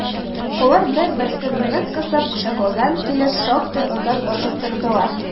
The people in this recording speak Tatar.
Алар бер-берсен нык кысып кочаклаган килеш шактый озак басып тордылар.